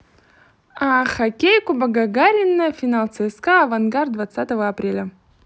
хоккей кубок гагарина финал цска авангард двадцатого апреля